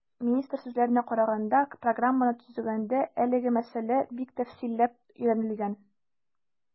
Министр сүзләренә караганда, программаны төзегәндә әлеге мәсьәлә бик тәфсилләп өйрәнелгән.